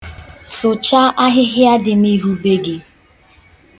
Sụchaa ahịhịa dị n'ihu be gị.